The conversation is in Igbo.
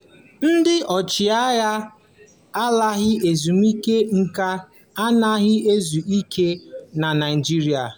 Ndị ọchịagha lara ezumike nka anaghị ezu ike na Naịjirịa